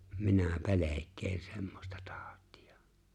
minä pelkään semmoista tautia